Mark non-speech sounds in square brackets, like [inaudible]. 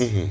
[hesitation] [hesitation]